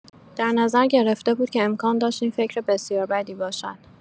در نظر گرفته بود که امکان داشت این فکر بسیار بدی باشد.